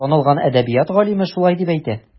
Танылган әдәбият галиме шулай дип әйтә.